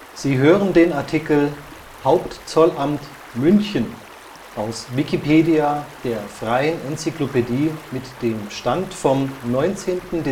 Sie hören den Artikel Hauptzollamt (München), aus Wikipedia, der freien Enzyklopädie. Mit dem Stand vom Der